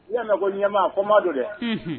I y'a mɛn ko ɲamaa ko ma don dɛ